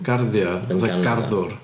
Garddio fatha garddwr.